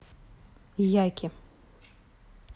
яки